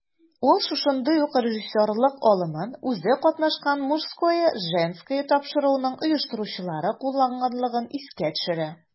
Ул шушындый ук режиссерлык алымын үзе катнашкан "Мужское/Женское" тапшыруының оештыручылары кулланганлыгын искә төшерә.